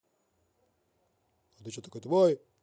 а ты че такой тупой